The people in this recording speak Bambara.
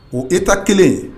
O e ta kelen